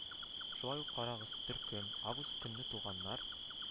Шулай ук карагыз: Төркем: август көнне туганнар